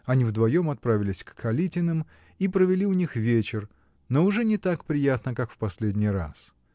Они вдвоем отправились к Калитиным и провели у них вечер, но уже не так приятно, как в последний раз.